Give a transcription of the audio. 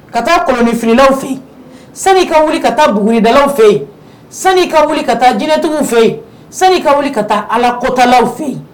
Ka taa kolonflaw fɛ yen sani ka wuli ka taa bugudalaw fɛ yen san i ka wuli ka taa jinɛtigiw fɛ yen san i ka wuli ka taa ala kɔtalaw fɛ yen